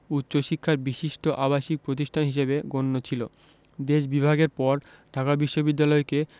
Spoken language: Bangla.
উচ্চশিক্ষার বিশিষ্ট আবাসিক প্রতিষ্ঠান হিসেবে গণ্য ছিল দেশ বিভাগের পর ঢাকা বিশ্ববিদ্যালয়কে